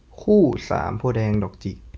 คู่สามโพธิ์แดงดอกจิก